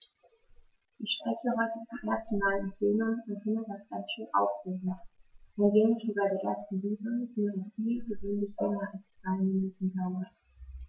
Ich spreche heute zum ersten Mal im Plenum und finde das ganz schön aufregend, ein wenig wie bei der ersten Liebe, nur dass die gewöhnlich länger als zwei Minuten dauert.